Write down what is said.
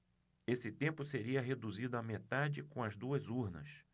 esse tempo seria reduzido à metade com as duas urnas